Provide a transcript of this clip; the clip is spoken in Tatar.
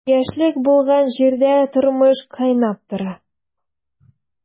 Яшьлек булган җирдә тормыш кайнап тора.